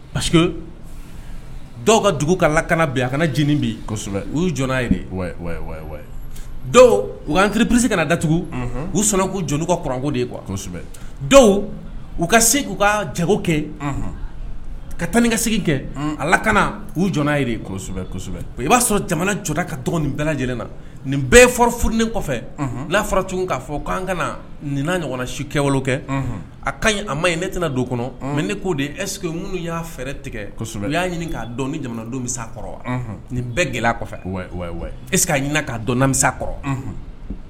Parce dɔw ka dugu ka lakana bɛ a kana jin bisɛbɛ u j do u'an ki psi kana datugu u sɔnna ko jɔn ka kko ye kosɛbɛ dɔw u ka se u ka jago kɛ ka tan ni ka segin kɛ ala ka u jsɛbɛ kosɛbɛsɛbɛ i b'a sɔrɔ jamana jɔda ka dɔgɔnin bɛɛ lajɛlen na nin bɛɛ forof furulen kɔfɛ n'a fɔra tun k'a fɔ k ko'an kana nin ɲɔgɔnna su kɛ wolo kɛ a ka a ma ye ne tɛna don kɔnɔ mɛ ne k'o de essekeke n y'a fɛɛrɛ tigɛsɔ kosɛbɛlon y'a ɲini k'a dɔn ni jamana donmisa kɔrɔ wa nin bɛɛ gɛlɛya kɔfɛ ese'a ɲini k ka dɔnnamisa kɔrɔ